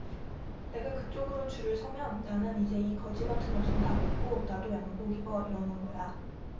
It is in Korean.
내가 그쪽으로 줄을 서면 나는 이제 이 거지 같은 옷은 다 벗고 나도 양복 입어 이러는 거야